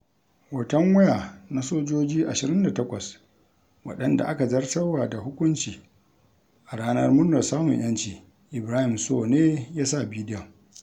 Hoton waya na sojoji 28 waɗanda aka zartarwa da hukunci a Ranar Murnar Samun 'Yanci - Ibrahima Sow ne ya sa bidiyon.